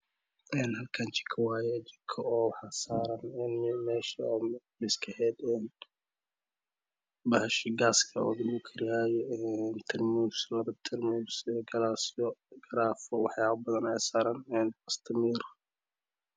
Halkaan jiko wayee jiko waxaa saran meesha oo miiska aheed pashiigaska oo lagu karinayee lapo tarmuus galaasyo garaafo wax yaapo padan ayaa saran pastamiir